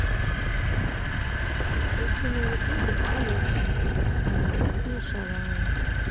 включи на ютубе алексин малолетние шалавы